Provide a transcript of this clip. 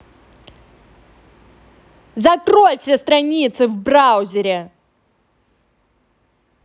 закрой все страницы в браузере